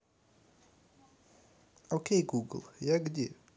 окей google я где